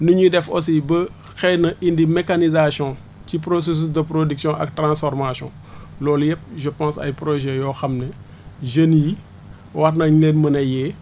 nu ñuy def aussi ba xëy na indi mécanisation ci processus de production ak transformation loolu yëpp je pense ay projets yoo xam ne jeunes yi war nañ leen mën a yee